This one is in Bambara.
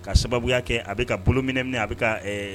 Ka sababuya kɛ a bɛ ka bolo minɛ minɛ a bɛ